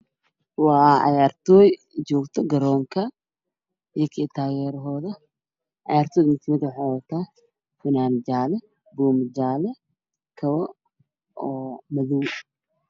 Waa cayaartooy oo joogta garoonka iyaka io taageerahooda , ciyaartooyda waxay wadataa funaanad jaale buumo jaale iyo kabo madow ah